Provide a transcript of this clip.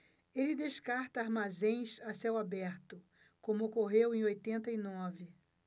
ele descarta armazéns a céu aberto como ocorreu em oitenta e nove